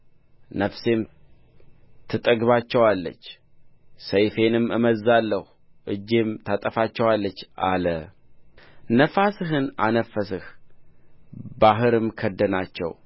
ነፍሴም ትጠግባቸዋለች ሰይፌንም እመዝዛለሁ እጄም ታጠፋቸዋለች አለ ነፋስህን አነፈስህ ባሕርም ከደናቸው